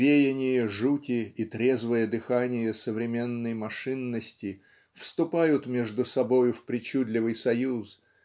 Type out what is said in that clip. веяние жути и трезвое дыхание современной машинности вступают между собою в причудливый союз